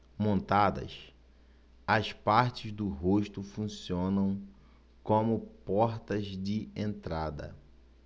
montadas as partes do rosto funcionam como portas de entrada